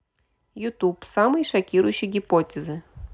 ютуб самые шокирующие гипотезы